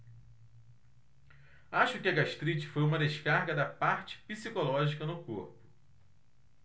acho que a gastrite foi uma descarga da parte psicológica no corpo